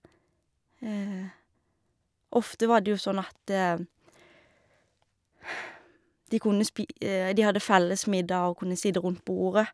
Ofte var det jo sånn at de kunne spi de hadde felles middag og kunne sitte rundt bordet.